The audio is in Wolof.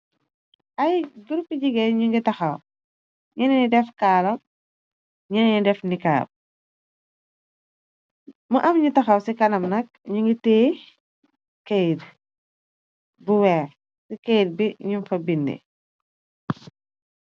Ayy groupii gigain njungy takhaw, njenen njii deff kaarlah, njehnen nji deff nikab, mu am nju takhaw cii kanam nak, njungy tiyeh keit bu wekh, cii keit bii njung fa bindu.